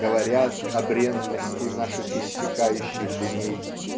говорят о бренности наших иссякающих дней.